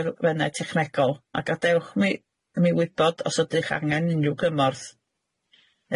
elfennau technegol a gadewch mi mi ymwybod os ydych angen unrhyw gymorth.